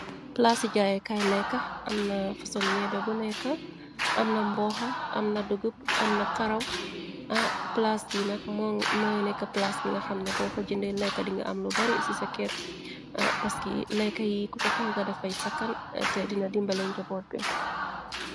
Palasi jaaye kaay lekka amna faso neebe bu neka, am na mbooxa, am na dugub, am na karaw. Palaas bi nak mëy nekka palas bi nga xamne boo fa jënde lekka di nga am lu bari ci ca kër, paski lekka yi ku ko tooga dafay sakan te dina dimbaleñ jopoot bi.